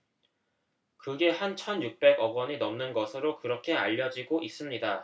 그게 한 천 육백 억 원이 넘는 것으로 그렇게 알려지고 있습니다